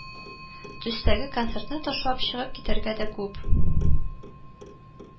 Төстәге концертны ташлап чыгып китәргә дә күп